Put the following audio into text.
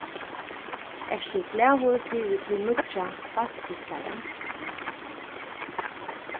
ert tú glaður fyri tín nýggja bassgittara